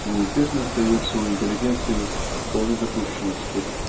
неизбежно остается у интеллигенции в полной запущенности.